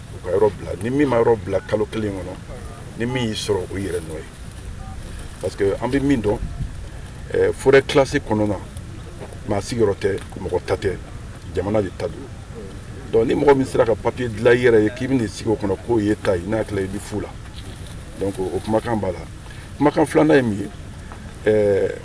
U ka ni min yɔrɔ bila kalo kelen kɔnɔ ni min y'i sɔrɔ o yɛrɛ n ye parce que an bɛ min dɔn fura kilasi kɔnɔna maa tɛ mɔgɔ ta tɛ jamana de ta don ni mɔgɔ min sera ka papi dilan yɛrɛ ye k'i bɛna sigi o kɔnɔ k'o ye ta i n'a tila i bɛ fo la ko o kumakan b'a la kumakan filanan ye min ye ɛɛ